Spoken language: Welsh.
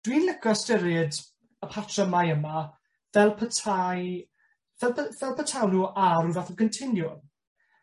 dwi'n lico ystyried y patrymau yma fel petai fel pe- fel petawn nw ar ryw fath o gontinwwm.